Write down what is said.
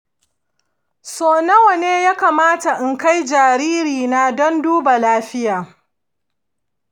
sau nawa ne ya kamata in kai jaririna don duba lafiya?